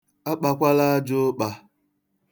Akpakwala aja ụkpa.